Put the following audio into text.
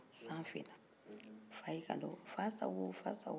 san finna fa y'i kantɔ fa sago fa sago